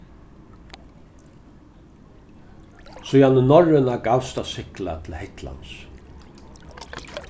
síðani norrøna gavst at sigla til hetlands